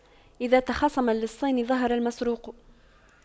إذا تخاصم اللصان ظهر المسروق